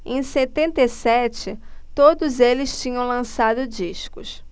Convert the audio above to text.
em setenta e sete todos eles tinham lançado discos